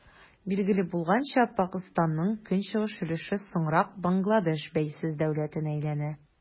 Билгеле булганча, Пакыстанның көнчыгыш өлеше соңрак Бангладеш бәйсез дәүләтенә әйләнә.